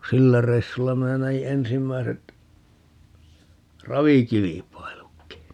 sillä reissulla minä näin ensimmäiset ravikilpailutkin